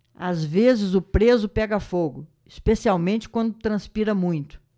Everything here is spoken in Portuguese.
às vezes o preso pega fogo especialmente quando transpira muito